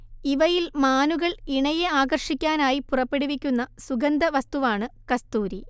ഇവയിൽ മാനുകൾ ഇണയെ ആകർഷിക്കാനായി പുറപ്പെടുവിക്കുന്ന സുഗന്ധവസ്തുവാണ് കസ്തൂരി